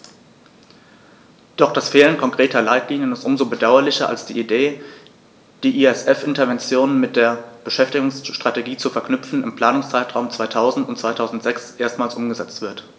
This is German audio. Doch das Fehlen konkreter Leitlinien ist um so bedauerlicher, als die Idee, die ESF-Interventionen mit der Beschäftigungsstrategie zu verknüpfen, im Planungszeitraum 2000-2006 erstmals umgesetzt wird.